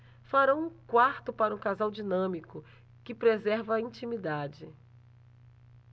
farão um quarto para um casal dinâmico que preserva a intimidade